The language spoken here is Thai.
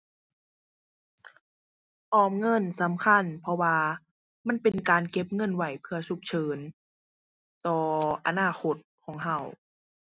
ออมเงินสำคัญ เพราะว่ามันเป็นการเก็บเงินไว้เผื่อฉุกเฉินต่ออนาคตของเรา